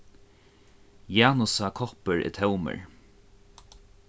janusa koppur er tómur